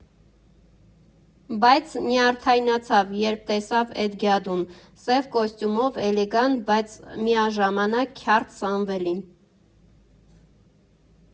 Բայց նյարդայնացավ, հենց տեսավ «էդ գյադուն»՝ սև կոստյումով, էլեգանտ, բայց միաժամանակ քյարթ Սամվելին։